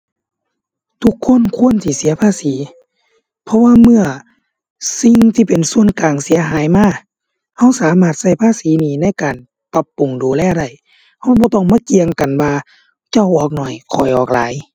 ทุกคนควรสิเสียภาษี เพราะว่าเมื่อสิ่งที่เป็นส่วนกลางเสียหายมา เราสามารถเราภาษีนี้ในการปรับปรุงดูแลได้ เราบ่ต้องมาเกี่ยงกันว่า เจ้าออกน้อย ข้อยออกหลาย